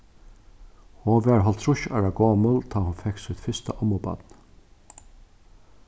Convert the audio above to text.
hon var hálvtrýss ára gomul tá hon fekk sítt fyrsta ommubarn